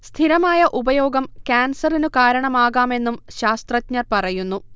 സ്ഥിരമായ ഉപയോഗം കാൻസറിന് കാരണമാകാമെന്നും ശാസ്ത്രജഞർ പറയുന്നു